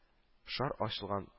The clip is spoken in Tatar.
Шар ачылган